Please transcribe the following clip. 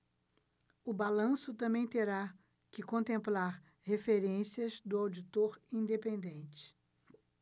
o balanço também terá que contemplar referências do auditor independente